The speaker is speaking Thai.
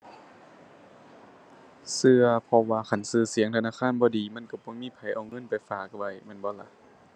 เชื่อเพราะว่าคันเชื่อเสียงธนาคารบ่ดี มันเชื่อบ่มีไผเอาเงินไปฝากไว้แม่นบ่ล่ะ